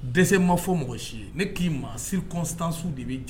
Dɛsɛ ma fɔ mɔgɔ si ye ne k'i maa si kɔnsansu de bɛ jan